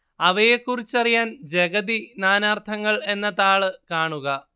അവയെക്കുറിച്ചറിയാന് ജഗതി നാനാര്‍ത്ഥങ്ങള്‍ എന്ന താള്‍ കാണുക